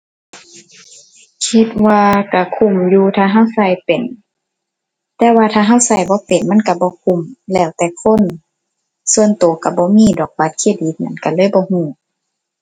คิดว่าก็คุ้มอยู่ถ้าก็ก็เป็น แต่ว่าถ้าก็ก็บ่เป็นมันก็บ่คุ้ม แล้วแต่คน ส่วนก็ก็บ่มีดอกบัตรเครดิตนั่น ก็เลยบ่ก็